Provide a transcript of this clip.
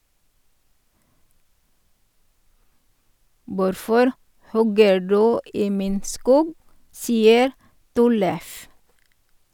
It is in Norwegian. "Hvorfor hogger du i min skog?" sier Tollef.